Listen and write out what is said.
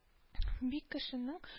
Бик кешенең